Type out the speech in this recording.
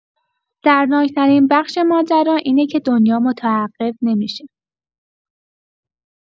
دردناک‌ترین بخش ماجرا اینه که دنیا متوقف نمی‌شه.